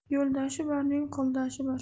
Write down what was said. yo'ldoshi borning qo'ldoshi bor